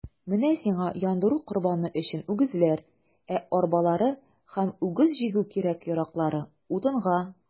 Менә сиңа яндыру корбаны өчен үгезләр, ә арбалары һәм үгез җигү кирәк-яраклары - утынга.